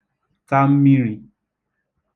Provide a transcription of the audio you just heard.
ta